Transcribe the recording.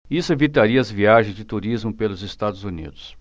isso evitaria as viagens de turismo pelos estados unidos